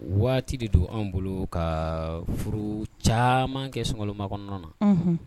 Waati de don an bolo ka furu caman kɛ sunloma kɔnɔnɔnɔ na